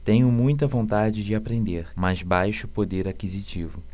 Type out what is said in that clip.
tenho muita vontade de aprender mas baixo poder aquisitivo